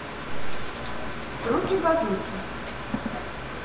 руки базуки